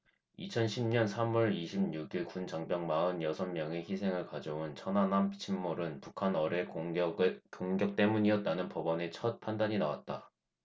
이천 십 년 삼 월 이십 육 일 군 장병 마흔 여섯 명의 희생을 가져온 천안함 침몰은 북한의 어뢰 공격 때문이었다는 법원의 첫 판단이 나왔다